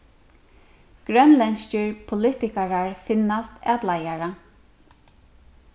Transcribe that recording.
grønlendskir politikarar finnast at leiðara